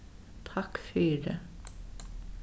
takk fyri